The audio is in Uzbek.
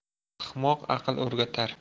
ahmoq aql o'rgatar